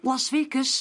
Las Vegas.